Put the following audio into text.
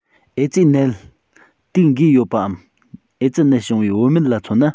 ཨེ ཙི ནད དུག འགོས ཡོད པའམ ཨེ ཙི ནད བྱུང བའི བུད མེད ལ མཚོན ན